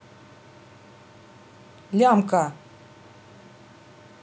лямка